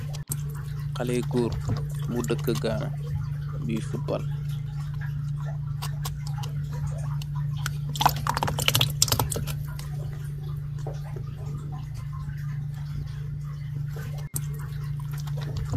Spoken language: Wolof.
Xalèh gór bu dëkk Gana bi futbol.